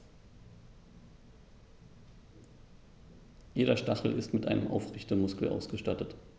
Jeder Stachel ist mit einem Aufrichtemuskel ausgestattet.